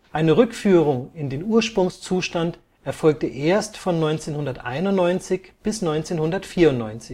Eine Rückführung in den Ursprungszustand erfolgte erst von 1991 bis 1994. Die